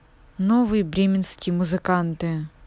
новые бременские музыканты